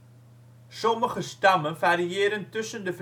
Sommige stammen variëren tussen de